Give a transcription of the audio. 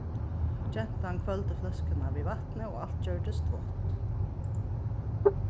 gentan hvølvdi fløskuna við vatni og alt gjørdist vátt